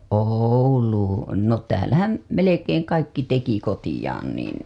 Ouluun no täällähän melkein kaikki teki kotiinsa niin